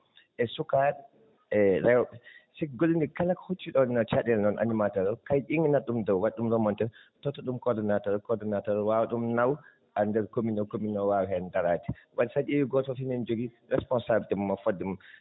e sukaaɓe e rewɓe si ɓe ngollonndirii kala ko hucci ɗon e caɗeele noon animateur kay ƴeeŋnata ɗum dow waɗa ɗum remonté totta ɗum coordonnateur coordonnateur waawa ɗum naw haa ndeer commune oo commune oo waawa heen daraade wadde so a ƴeewii gooto fof heen no jogii responsabilité mo fodde mum